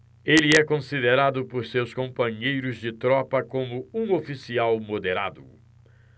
ele é considerado por seus companheiros de tropa como um oficial moderado